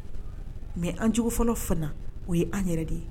Mɛ an cogo fɔlɔ fana o ye an yɛrɛ de ye